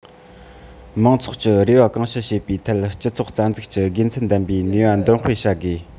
མང ཚོགས ཀྱི རེ བ གོང ཞུ བྱེད པའི ཐད སྤྱི ཚོགས རྩ འཛུགས ཀྱི དགེ མཚན ལྡན པའི ནུས པ འདོན སྤེལ བྱ དགོས